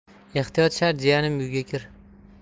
ehtiyot shart jiyanim uyga kir